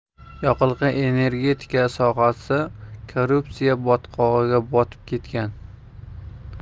yoqilg'i energetika sohasi korrupsiya botqog'iga botib ketgan